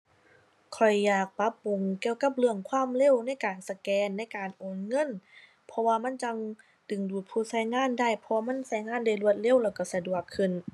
ข้อยอยากปรับปรุงเกี่ยวกับเรื่องความเร็วในการสแกน ในการโอนเงิน เพราะว่ามันจั่งดึงดูดผู้ใช้งานได้ เพราะว่ามันใช้งานได้รวดเร็วแล้วใช้สะดวกขึ้น